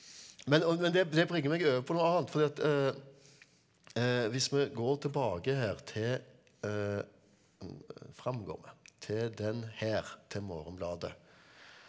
men og men det det bringer meg over på noe annet fordi at hvis vi går tilbake her til fram går vi til den her til Morgenbladet.